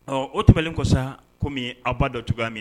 Ɔ o tɛmɛnbalen ko sa kɔmi a b ba dɔn cogoya min